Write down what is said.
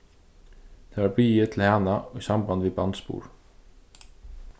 tað varð biðið til hana í samband við barnsburð